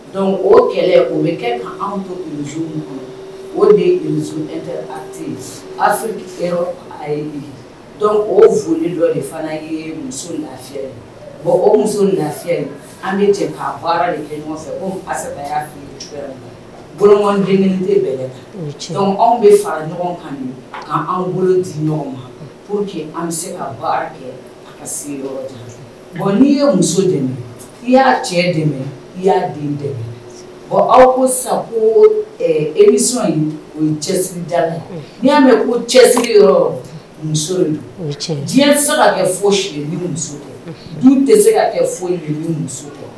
Dɔnku o kɛlɛ o bɛ kɛ anw o de ye ye o foli dɔ de fana ye muso lafi o muso lafiya an bɛ de kɛ fɛ boloden bɛ anw bɛ fara ɲɔgɔn kan k anw bolo di ɲɔgɔn ma an bɛ se ka kɛ ka n'i ye muso dɛmɛ i y'a cɛ de i y'a dɛ bon aw ko sa ko emi in o ye cɛ n'i y'a mɛn cɛsiri muso diɲɛse ka kɛ fo si muso dun tɛ se ka kɛ muso